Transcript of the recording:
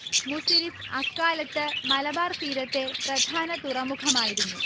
മുസിരിസ് അക്കാലത്ത് മലബാർ തീരത്തെ പ്രധാന തുറമുഖമായിരുന്നു